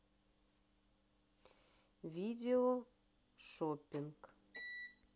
видео шоппинг